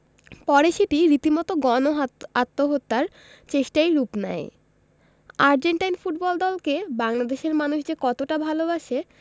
পরে সেটি রীতিমতো গণ আত্মহত্যার চেষ্টায় রূপ নেয় আর্জেন্টাইন ফুটবল দলকে বাংলাদেশের মানুষ যে কতটা ভালোবাসে